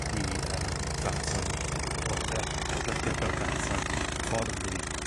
'i yym data n- i yy wel yr podlediad fel data hyfforddi,